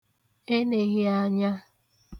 enēghịanya